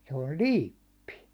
se oli liippi